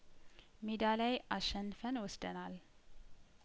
ሜዳ ላይ አሸንፈን ወስደናል